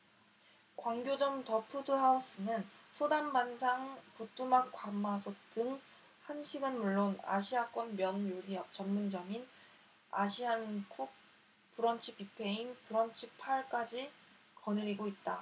광교점 더 푸드 하우스는 소담반상 부뚜막 가마솥 등 한식은 물론 아시아권 면 요리 전문점인 아시안쿡 브런치뷔페인 브런치 팔 까지 거느리고 있다